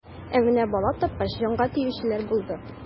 Ә менә бала тапкач, җанга тиючеләр булды.